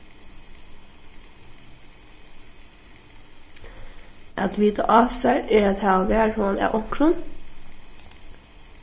at vita á sær er at hava varhugan av onkrum